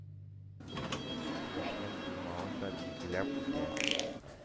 Көчнең булмавын да билгеләп үтә.